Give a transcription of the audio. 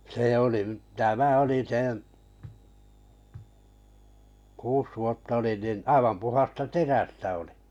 se oli tämä oli sen kuusi vuotta olin niin aivan puhdasta terästä oli